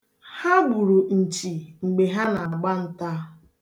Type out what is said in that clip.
Ha gburu nchi mgbe ha na-agba nta.